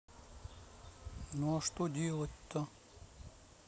ну а что делать то